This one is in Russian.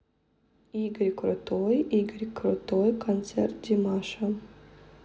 игорь крутой игорь крутой концерт димаша